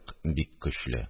Бик көчле